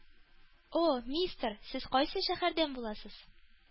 О, мистер, сез кайсы шәһәрдән буласыз?